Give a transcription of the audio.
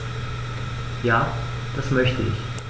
Ja, das möchte ich.